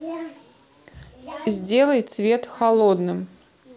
сделай цвет холодным